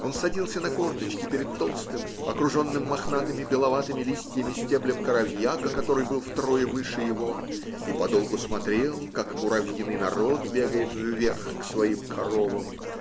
Он садился на корточки перед толстым, окруженным мохнатыми беловатыми листьями стеблем коровьяка, который был втрое выше его, и подолгу смотрел, как муравьиный народ бегает вверх к своим коровам